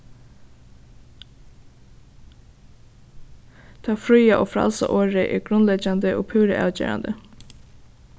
tað fría og frælsa orðið er grundleggjandi og púra avgerandi